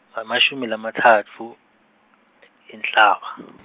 amashumi lamatsatfu , Inhlaba .